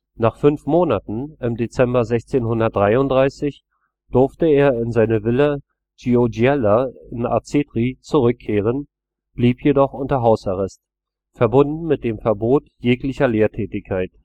Nach fünf Monaten, im Dezember 1633, durfte er in seine Villa Gioiella in Arcetri zurückkehren, blieb jedoch unter Hausarrest, verbunden mit dem Verbot jeglicher Lehrtätigkeit